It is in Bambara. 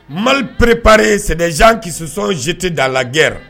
Mali ppre-pre sɛɛn kisɔnete da lajɛgɛyara